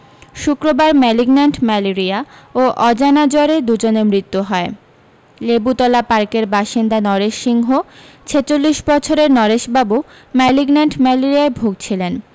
শুক্রবার malignant malaria ও অজানা জরে দুজনের মৃত্যু হয় লেবুতলা পার্কের বাসিন্দা নরেশ সিংহ ছেচল্লিশ বছরের নরেশবাবু ম্যালিগন্যান্ট ম্যালেরিয়ায় ভুগছিলেন